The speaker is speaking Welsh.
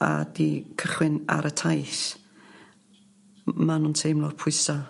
a 'di cychwyn ar y taith m- ma' nw'n teimlo'r pwysa'.